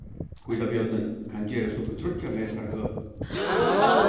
hvítabjørnin kann gerast upp í tríggjar metrar høg